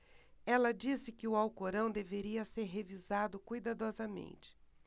ela disse que o alcorão deveria ser revisado cuidadosamente